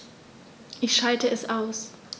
Ich schalte es aus.